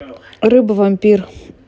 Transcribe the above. рыба вампир